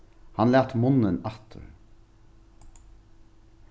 hann læt munnin aftur